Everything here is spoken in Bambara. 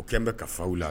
O kɛlen bɛ ka faw la